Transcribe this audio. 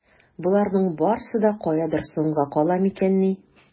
Боларның барсы да каядыр соңга кала микәнни?